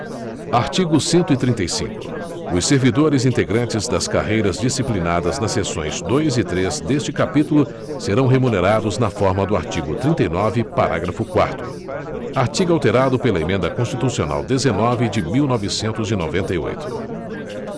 artigo cento e trinta e cinco os servidores integrantes das carreiras disciplinadas nas seções dois e três deste capítulo serão remunerados na forma do artigo trinta e nove parágrafo quarto artigo alterado pela emenda constitucional dezenove de mil novecentos e noventa e oito